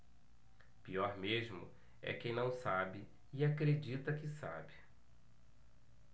pior mesmo é quem não sabe e acredita que sabe